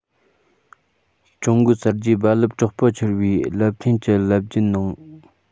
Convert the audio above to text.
ཀྲུང གོའི གསར བརྗེའི རྦ རླབས དྲག པོ འཕྱུར བའི རླབས ཆེན གྱི རླབས རྒྱུན ནང